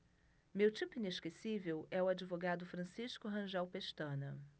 meu tipo inesquecível é o advogado francisco rangel pestana